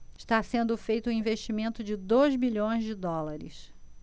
está sendo feito um investimento de dois bilhões de dólares